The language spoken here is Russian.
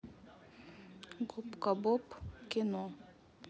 губка боб кино